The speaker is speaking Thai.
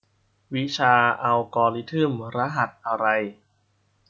วิชาอัลกอริทึมรหัสอะไร